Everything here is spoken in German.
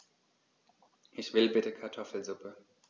Ich will bitte Kartoffelsuppe.